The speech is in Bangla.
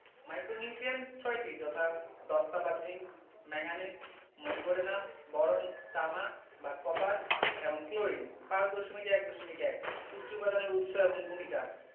মাইক্রোনিউট্রিয়েন ৬টি যথা দস্তা বা জিংক ম্যাংগানিজ মোলিবডেনাম বরন তামা বা কপার এবং ক্লোরিন ৫.১.১ পুষ্টি উপাদানের উৎস এবং ভূমিকা